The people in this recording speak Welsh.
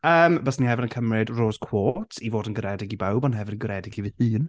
Yym, byswn i hefyd yn cymryd rose quartz i fod yn garedig i bawb ond hefyd yn garedig i fy hun.